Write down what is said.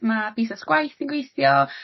ma' visas gwaith yn gweithio